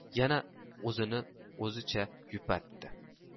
yana uni o'zicha yupatdi